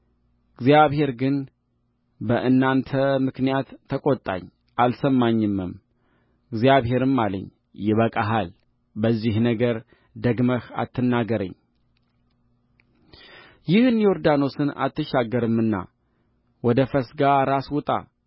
እግዚአብሔር ግን በእናንተ ምክንያት ተቈጣኝ አልሰማኝምም እግዚአብሔርም አለኝ ይበቃሃል በዚህ ነገር ደግመህ አትናገረኝይህን ዮርዳኖስን አትሻገርምና ወደ ፈስጋ ራስ ውጣ